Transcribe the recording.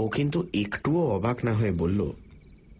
ও কিন্তু একটুও অবাক না হয়ে বলল